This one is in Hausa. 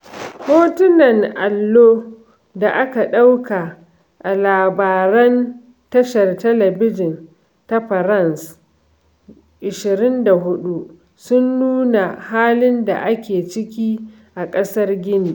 Hotonan allo da aka ɗauka a labaran tashar talabijin ta France 24 sun nuna halin da ake ciki a ƙasar Gini.